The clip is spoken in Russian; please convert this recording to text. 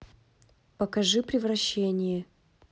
покажи превращение